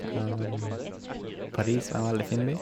Paris var en veldig fin by.